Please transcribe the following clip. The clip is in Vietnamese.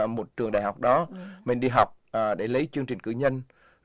một trường đại học đó mình đi học ở để lấy chương trình cử nhân